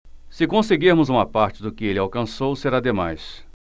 se conseguirmos uma parte do que ele alcançou será demais